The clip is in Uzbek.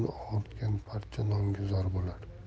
onasini og'ritgan parcha nonga zor bo'lar